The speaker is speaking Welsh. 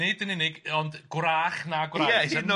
Nid yn unig ond gwrach na gwraig.